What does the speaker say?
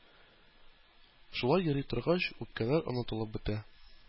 Шулай йөри торгач үпкәләр онытылып бетә.